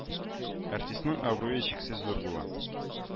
Артистның абруе чиксез зур була